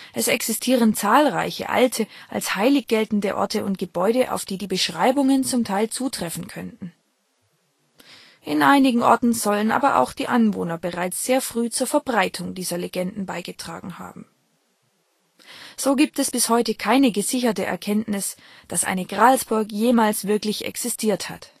Es existieren zahlreiche alte, als heilig geltende Orte und Gebäude, auf die die Beschreibungen zum Teil zutreffen könnten, in einigen Orten sollen aber auch die Anwohner bereits sehr früh zur Verbreitung dieser Legende beigetragen haben. So gibt es bis heute keine gesicherte Erkenntnis, dass eine Gralsburg jemals wirklich existiert hat